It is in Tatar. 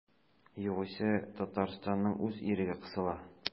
Югыйсә Татарстанның үз иреге кысыла.